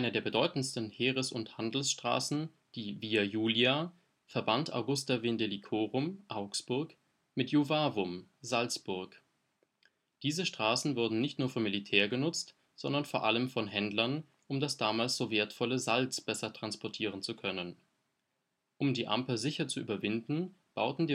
der bedeutendsten Heeres - und Handelsstraßen, die Via Julia, verband Augusta Vindelicorum (Augsburg) mit Juvavum (Salzburg). Diese Straßen wurden nicht nur vom Militär genutzt, sondern vor allem von Händlern, um das damals so wertvolle Salz besser transportieren zu können. Um die Amper sicher zu überwinden, bauten